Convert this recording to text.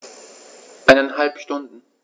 Eineinhalb Stunden